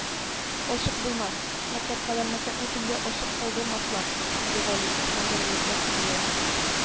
- ачык булмас... мәктәп кадәр мәктәпне төнгә ачык калдырмаслар, - диде гали ышандырырлык басым белән